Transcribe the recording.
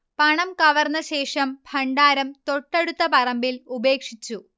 പണം കവർന്നശേഷം ഭണ്ഡാരം തൊട്ടടുത്ത പറമ്പിൽ ഉപേക്ഷിച്ചു